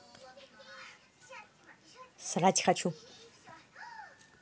срать хочу